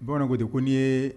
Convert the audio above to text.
Bamanan ko de ko n nin ye